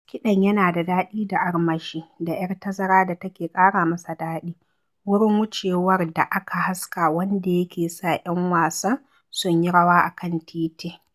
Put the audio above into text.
Kiɗan yana da daɗi da armashi, da 'yar tazara da take ƙara masa daɗi (wurin wucewar da aka haska wanda yake sa 'yan wasan sun wuce/yi rawa a kan titin).